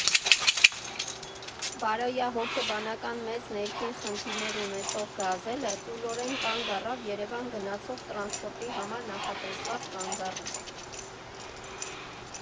Բարոյահոգեբանական մեծ ներքին խնդիրներ ունեցող «գազելը» ծուլորեն կանգ առավ Երևան գնացող տրանսպորտի համար նախատեսված կանգառում։